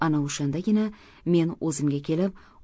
ana o'shandagina men o'zimga kelib